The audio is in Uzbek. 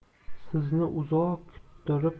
sizni uzoq kuttirib